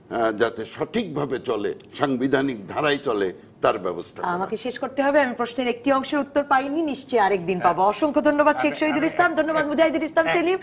যাতে সঠিক ভাবে চলে সাংবিধানিক ধারায় চলে তার ব্যবস্থা আমাকে শেষ করতে হবে আমি প্রশ্নের একটি অংশের উত্তর পাইনি নিশ্চয়ই আরেকদিন পাব অসংখ্য ধন্যবাদ শেখ শহিদুল ইসলাম ধন্যবাদ মুজাহিদুল ইসলাম সেলিম